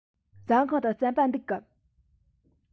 ཟ ཁང དུ རྩམ པ འདུག གམ